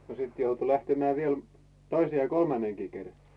no sitten joutui lähtemään vielä toisen ja kolmannenkin kerran